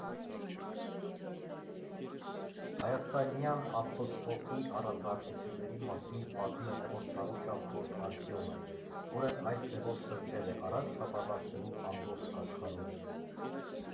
Հայաստանյան ավտոստոպի առանձնահատկությունների մասին պատմում է փորձառու ճամփորդ Արտյոմը, որն այս ձևով շրջել է, առանց չափազանցնելու, ամբողջ աշխարհով։